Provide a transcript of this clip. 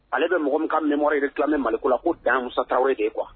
Ale bɛ mɔgɔ minkan mɛnmo yɛrɛ ku mali ko la ko dan musata de kuwa